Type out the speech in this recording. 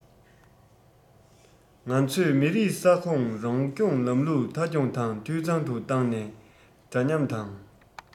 ང ཚོས མི རིགས ས ཁོངས རང སྐྱོང ལམ ལུགས མཐའ འཁྱོངས དང འཐུས ཚང དུ བཏང ནས འདྲ མཉམ དང